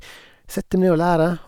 Sette meg ned og lære.